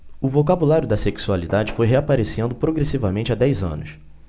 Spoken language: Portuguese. o vocabulário da sexualidade foi reaparecendo progressivamente há dez anos